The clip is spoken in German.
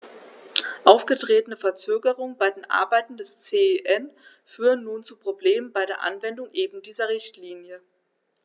Aufgetretene Verzögerungen bei den Arbeiten des CEN führen nun zu Problemen bei der Anwendung eben dieser Richtlinie.